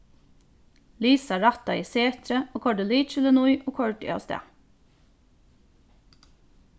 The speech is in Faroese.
lisa rættaði setrið og koyrdi lykilin í og koyrdi avstað